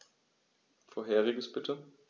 Vorheriges bitte.